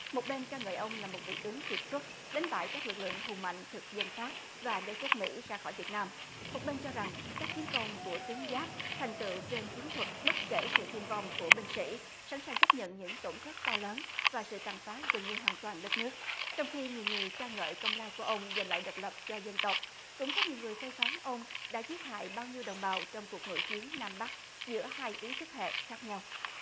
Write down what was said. một bên ca ngợi ông là một vị tướng kiệt xuất đánh bại các lực lượng hùng mạnh thực dân pháp và đế quốc mỹ ra khỏi việt nam một bên cho rằng các chiến công của tướng giáp thành tựu trên chiến thuật bất kể sự thương vong của binh sĩ sẵn sàng chấp nhận những tổn thất to lớn và sự tàn phá gần như hoàn toàn đất nước trong khi nhiều người ca ngợi công lao của ông giành lại độc lập cho dân tộc cũng có nhiều người phê phán ông đã giết hại bao nhiêu đồng bào trong cuộc nội chiến nam bắc giữa hải ý thức hệ khác nhau